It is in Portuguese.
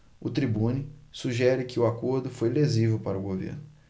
o tribune sugere que o acordo foi lesivo para o governo